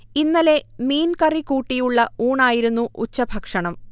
ഇന്നലെ മീൻ കറി കൂട്ടിയുള്ള ഊണായിരുന്നു ഉച്ചഭക്ഷണം